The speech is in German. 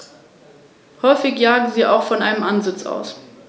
Insgesamt sind dies knapp 10 % der Fläche des Biosphärenreservates.